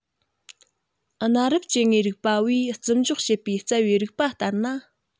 གནའ རབས སྐྱེ དངོས རིག པ བས བརྩི འཇོག བྱེད པའི རྩ བའི རིགས པ ལྟར ན